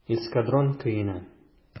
"эскадрон" көенә.